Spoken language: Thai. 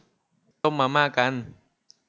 ต้มมาม่ากัน